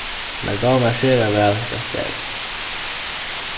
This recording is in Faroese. mær dámar sera væl hetta staðið